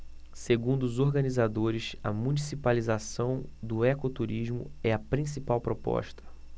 segundo os organizadores a municipalização do ecoturismo é a principal proposta